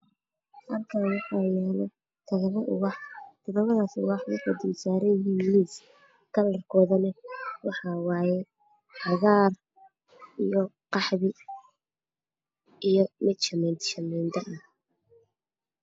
Halkaan waxaa yaalo todobo ubax. Todobadaas waxay saaran yihiin miis kalarkoodu waa cagaar, qaxwi iyo mid shamiito shamiito ah.